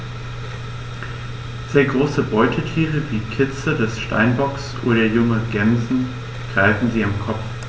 Sehr große Beutetiere wie Kitze des Steinbocks oder junge Gämsen greifen sie am Kopf.